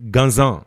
Gansan